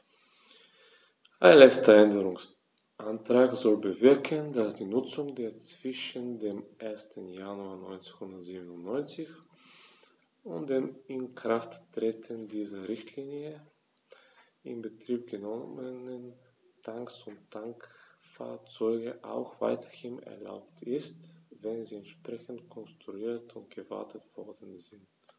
Ein letzter Änderungsantrag soll bewirken, dass die Nutzung der zwischen dem 1. Januar 1997 und dem Inkrafttreten dieser Richtlinie in Betrieb genommenen Tanks und Tankfahrzeuge auch weiterhin erlaubt ist, wenn sie entsprechend konstruiert und gewartet worden sind.